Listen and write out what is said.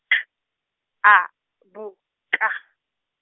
K, A, B, ka.